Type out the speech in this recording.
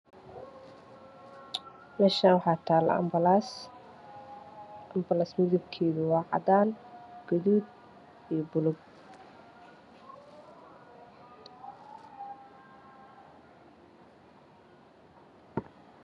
Meshaan waxaa taala ambalaas Ambalaas midabkedu waa cadaan gaduud iyo baluug